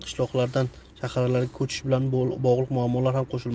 qishloqlardan shaharlarga ko'chishi bilan bog'liq muammolar ham qo'shilmoqda